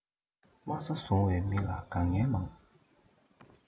དམའ ས བཟུང བའི མི ལ དགའ མཁན མང